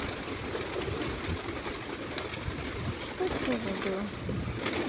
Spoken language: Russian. что сегодня было